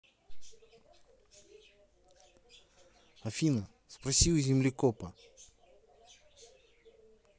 афина спроси у землекопа